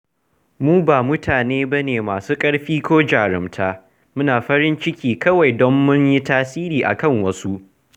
Mu ba mutane ba ne masu ƙarfi ko jarumta… muna farin ciki kawai don mun yi tasiri a kan wasu.